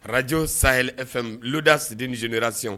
Radio sahel fm l'audace d'une génération